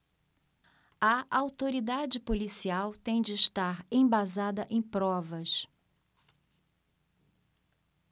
a autoridade policial tem de estar embasada em provas